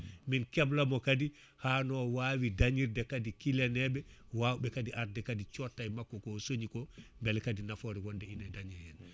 min kelamo kadi hano wawi dañirde kadi kilyaneɓe wawɓe kadi arde kadi cotta e makko ko coñiko beele kadi nafoore wonde ina dañe